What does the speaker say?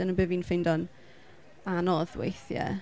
Dyna be fi'n ffeindo'n anodd weithiau.